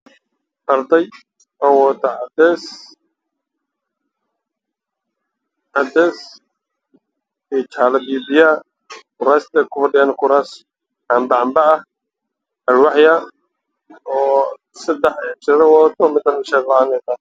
Waa school waxaa jooga gabdho waxay wataan dhar cadaan